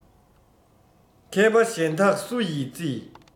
མཁས པ གཞན དག སུ ཡིས བརྩི